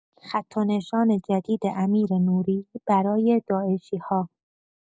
خط و نشان جدید امیر نوری برای داعشی ها